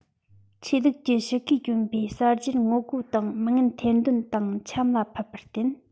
ཆོས ལུགས ཀྱི ཕྱི གོས གྱོན པའི གསར བརྗེར ངོ རྒོལ པ དང མི ངན ཐེར འདོན དང ཆམ ལ ཕབ པར བརྟེན